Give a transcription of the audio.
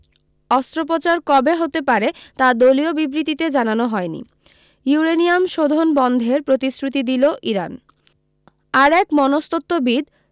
অস্ত্রোপচার কবে হতে পারে তা দলীয় বিবৃতিতে জানানো হয়নি ইউরেনিয়াম শোধন বন্ধের প্রতিশ্রুতি দিল ইরান আর এক মনস্তত্ত্ববিদ